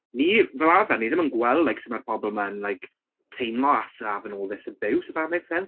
Ni fel arfer ni ddim yn gweld like sut mae'r pobl ma'n like teimlo after having all this abuse if that makes sense.